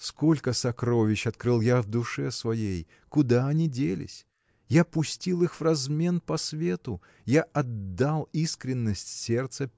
Сколько сокровищ открыл я в душе своей: куда они делись? Я пустил их в размен по свету я отдал искренность сердца